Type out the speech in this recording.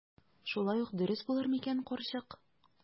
Шулай ук дөрес булыр микән, карчык?